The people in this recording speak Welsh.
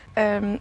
Yym.